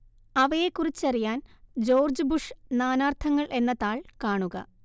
അവയെക്കുറിച്ചറിയാന്‍ George Bush നാനാര്‍ത്ഥങ്ങള്‍ എന്ന താള്‍ കാണുക